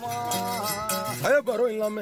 A ye baro yɔrɔ mɛn